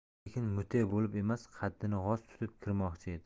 lekin mute bo'lib emas qaddini g'oz tutib kirmoqchi edi